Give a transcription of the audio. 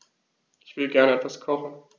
Ich will gerne etwas kochen.